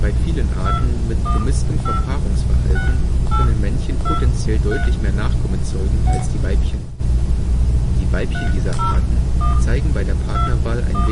vielen Arten mit promiskem Verpaarungsverhalten können Männchen potentiell deutlich mehr Nachkommen zeugen als die Weibchen. Die Weibchen dieser Arten zeigen bei der Partnerwahl ein